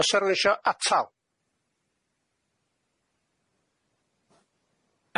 O's 'na rywun isio atal?